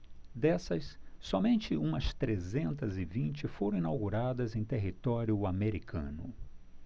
dessas somente umas trezentas e vinte foram inauguradas em território americano